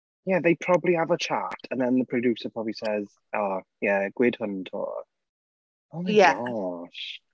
Ie, they probably have a chat and then the producer probably says "O, ie gweud hwn 'to"... Ie... O my gosh.